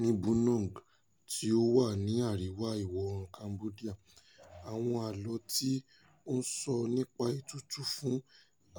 Ní Bunong, tí ó wà ní àríwá ìwọ-oòrùn Cambodia, àwọn àlọ́ tí ó sọ nípa ètùtù fún